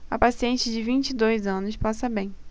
a paciente de vinte e dois anos passa bem